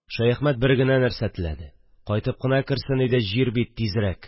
Шәяхмәт бер генә нәрсә теләде: кайтып кына керсен иде җир бит тизрәк!